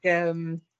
yym